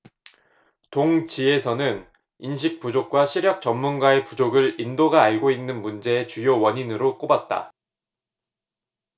동 지에서는 인식 부족과 시력 전문가의 부족을 인도가 안고 있는 문제의 주요 원인으로 꼽았다